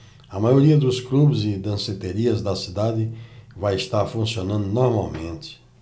a maioria dos clubes e danceterias da cidade vai estar funcionando normalmente